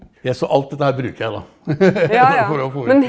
ja, så alt dette her bruker jeg da for å få ut.